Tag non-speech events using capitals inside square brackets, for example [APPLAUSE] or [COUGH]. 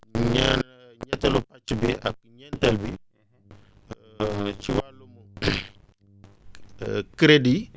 ñee ñeenteelu partie bi ak ñeenteel bi [NOISE] [HESITATION] ci wàllum [HESITATION] crédit :ffra